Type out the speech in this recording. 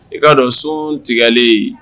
I k'a dɔn so tigɛlen